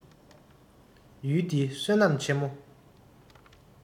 ཡུལ འདི བསོད ནམས ཆེན མོ